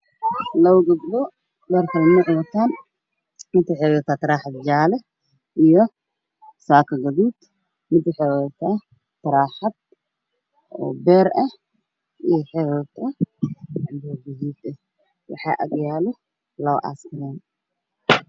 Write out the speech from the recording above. Waa laba gabdhood mid waxay wadataa taroxad jaalo mid waxay wadataa dhar qaxwi waxaa ag yaalla labo askariin